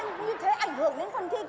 như thế ảnh hưởng phần thi